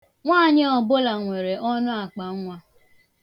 Nwaanyị ọbụla nwere ọnụakpannwa.